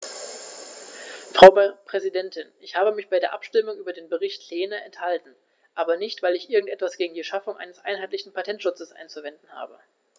Frau Präsidentin, ich habe mich bei der Abstimmung über den Bericht Lehne enthalten, aber nicht, weil ich irgend etwas gegen die Schaffung eines einheitlichen Patentschutzes einzuwenden habe.